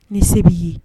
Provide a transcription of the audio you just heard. Ni se b'i ye